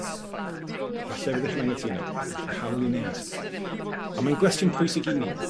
Falle byddech chi'n angytuno. Gennych chi'r hawl i wneud. A mae'n gwestiwn pwysig i ni.